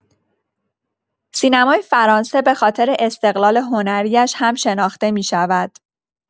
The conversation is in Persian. سینمای فرانسه به‌خاطر استقلال هنری‌اش هم شناخته می‌شود.